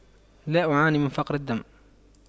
لا أعاني من فقر الدم